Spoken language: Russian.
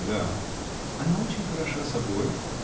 -- Да. -- Она очень хороша собою?